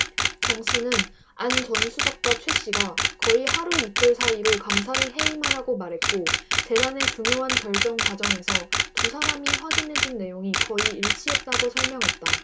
정씨는 안 전 수석과 최씨가 거의 하루이틀 사이로 감사를 해임하라고 말했고 재단의 중요한 결정 과정에서 두 사람이 확인해준 내용이 거의 일치했다고 설명했다